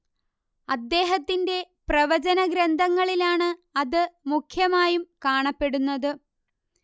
അദ്ദേഹത്തിന്റെ പ്രവചനഗ്രന്ഥങ്ങളിലാണ് അത് മുഖ്യമായും കാണപ്പെടുന്നത്